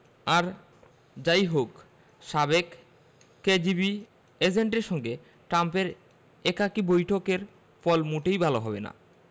আর যা ই হোক সাবেক কেজিবি এজেন্টের সঙ্গে ট্রাম্পের একাকী বৈঠকের ফল মোটেই ভালো হবে না